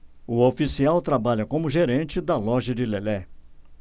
o oficial trabalha como gerente da loja de lelé